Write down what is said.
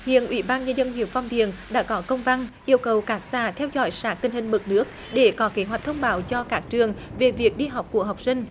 hiện ủy ban nhân dân huyện phong điền đã có công văn yêu cầu cả xã theo dõi sát tình hình mực nước để có kế hoạch thông báo cho các trường về việc đi học của học sinh